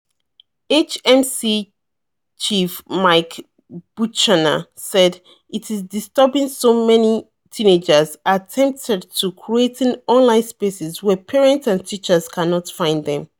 HMC chief Mike Buchanan said: "It's disturbing so many teenagers are tempted into creating online spaces where parents and teachers cannot find them."